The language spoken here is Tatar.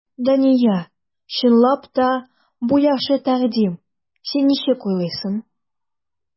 Дания, чынлап та, бу яхшы тәкъдим, син ничек уйлыйсың?